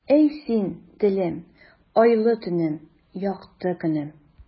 Әй, син, телем, айлы төнем, якты көнем.